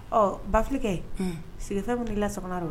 Ɔ bafilikɛ s sigi tɛ min la sok don